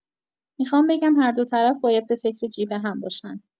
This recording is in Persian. میخوام بگم هر دو طرف باید به فکر جیب هم باشن.